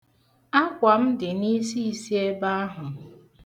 Akwa m dị n'isiisi ebe ahụ.